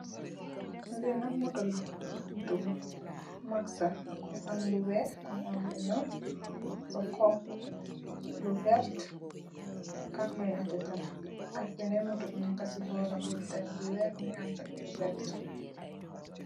Liinak motola moto bu maksah mungi am lu wekh mungi am lu nyul lu xonxu lu vertt ak lu neteh tamit AK benen moto bu neka si boram bobu tamit bu wekh mungi ameh tamit lu vertt .